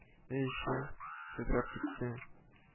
Өй эче тетрәп китте